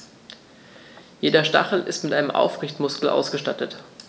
Jeder Stachel ist mit einem Aufrichtemuskel ausgestattet.